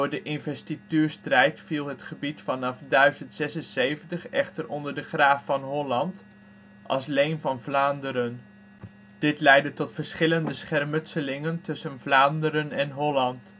de Investituurstrijd viel het gebied vanaf 1076 echter onder de graaf van Holland, als leen van Vlaanderen. Dit leidde tot verschillende schermutselingen tussen Vlaanderen en Holland